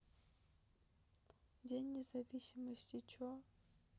день независимости че